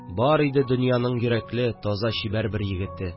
Бар иде донъяның йөрәкле, таза чибәр бер егете